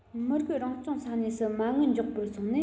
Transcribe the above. མི རིགས རང སྐྱོང ས གནས སུ མ དངུལ འཇོག པར སོང ནས